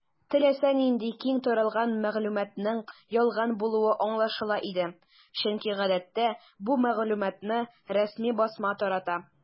Теләсә нинди киң таралган мәгълүматның ялган булуы аңлашыла иде, чөнки гадәттә бу мәгълүматны рәсми басма тарата.